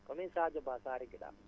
Sadio Ba Saare Gedda